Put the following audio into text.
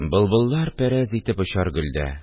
Былбыллар пәрәз итеп очар гөлдә